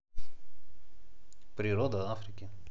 природа африки